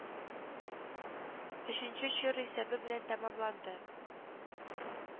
Өченче чор исәбе белән тәмамланды